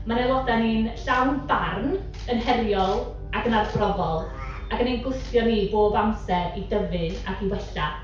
Mae ein haelodau ni'n llawn barn, yn heriol ac yn arbrofol, ac yn ein gwthio ni bob amser i dyfu ac i wella.